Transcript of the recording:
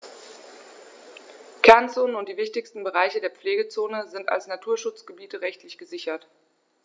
Kernzonen und die wichtigsten Bereiche der Pflegezone sind als Naturschutzgebiete rechtlich gesichert.